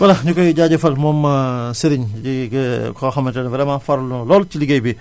voilà ñu koy jaajëfal moom Serigne di koo xamante ne vraiment farlu na lool ci liggéey bi